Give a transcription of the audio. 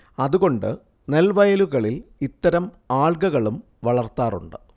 അതുകൊണ്ട് നെൽവയലുകളിൽ ഇത്തരം ആൽഗകളും വളർത്താറുണ്ട്